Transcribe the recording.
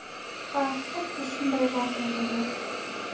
ha xuddi shunday voqea bo'lgan